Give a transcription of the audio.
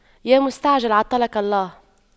يا مستعجل عطلك الله